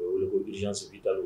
O be weele ko urgence vital u